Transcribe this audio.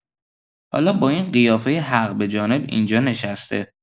حالا با این قیافۀ حق‌به‌جانب این‌جا نشسته.